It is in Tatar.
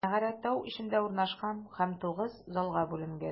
Мәгарә тау эчендә урнашкан һәм тугыз залга бүленгән.